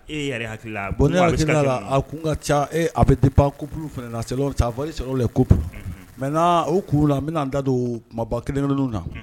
E yɛrɛ hakili la bon ne hakilina la, a kun ka caa a bɛ ee a bɛ depends couples fana ça varie selon les couples la maintenant o kun na n bɛna da don kumaba kelen minnu na